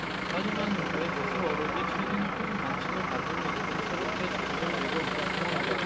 하지만 그의 주술 어록이 최근 큰 관심을 받는 만큼 새롭게 재조명되고 있는 상황이다